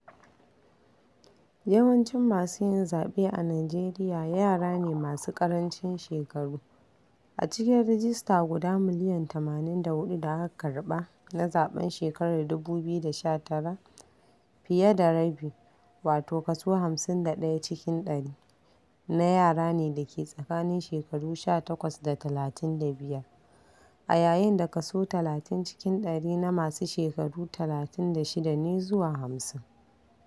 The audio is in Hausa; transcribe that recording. Yawancin masu yin zaɓe a Nijeriya yara ne masu ƙarancin shekaru. A cikin rajista guda miliyan 84 da aka karɓa na zaɓen shekarar 2019, fiye da rabi - wato kaso 51 cikin ɗari - na yara ne da ke tsakanin shekaru 18 da 35, a yayin da kaso 30 cikin ɗari na masu shekaru 36 ne zuwa 50.